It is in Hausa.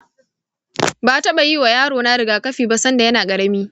ba'a taɓa yi wa yarona rigakafi ba sanda yana ƙarami